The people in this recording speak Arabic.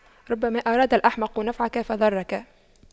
ربما أراد الأحمق نفعك فضرك